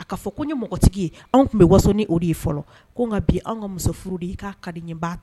A'a fɔ ko ye mɔgɔtigi ye anw tun bɛ wasonin o de ye fɔlɔ ko nka bi an ka muso furu de ye i k' ka di ɲɛ' ta